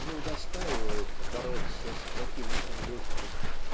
не удостаивает бороться с противником легким